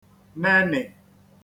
nenị̀